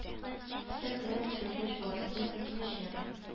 Кисәк кенә төшергәч барысы да сизеләчәк